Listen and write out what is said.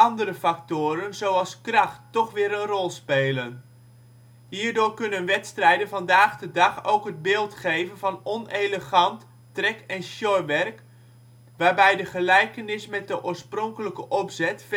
ándere factoren zoals kracht toch weer een rol spelen. Hierdoor kunnen wedstrijden vandaag de dag ook het beeld geven van onelegant trek - en sjorwerk, waarbij de gelijkenis met de oorspronkelijke opzet